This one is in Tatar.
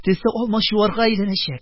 Төсе алмачуарга әйләнәчәк!